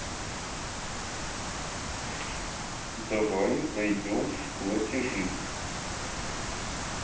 давай зайдем в платежи